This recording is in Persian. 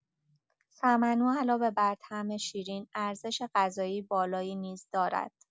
سمنو علاوه بر طعم شیرین، ارزش غذایی بالایی نیز دارد.